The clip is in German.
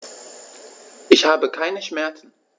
Ich habe keine Schmerzen.